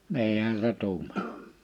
niinhän se tuumasi